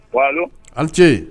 An ce